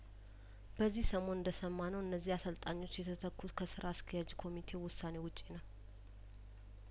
በዚህ ሰሞን እንደሰማነው እነዚህ አሰልጣኞች የተተኩት ከስራ አስኪያጅ ኮሚቴው ውሳኔ ውጪ ነው